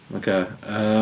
Ocê yym...